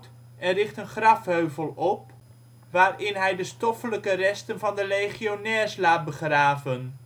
en richt een grafheuvel op, waarin hij de stoffelijke resten van de legionairs laat begraven